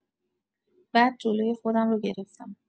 بعد جلوی خودم رو گرفتم.